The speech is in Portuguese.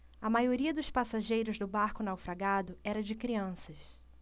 a maioria dos passageiros do barco naufragado era de crianças